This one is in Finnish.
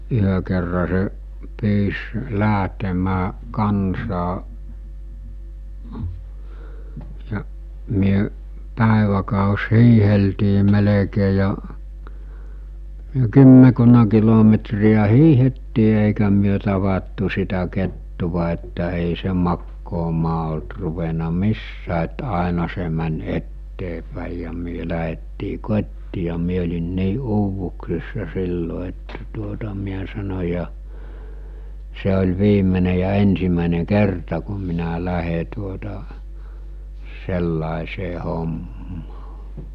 yhden kerran se pyysi lähtemään kanssaan ja me päiväkös hiihdeltiin melkein ja me kymmenkunta kilometriä hiihdettiin eikä me tavattu sitä kettua että ei se makaamaan ollut ruvennut missään että aina se meni eteenpäin ja me lähdettiin kotiin ja minä olin niin uuvuksissa silloin että tuota minä sanoin ja se oli viimeinen ja ensimmäinen kerta kun minä lähden tuota sellaiseen hommaan